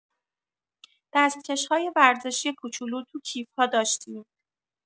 دستکش‌های ورزشی کوچولو تو کیف‌ها داشتیم.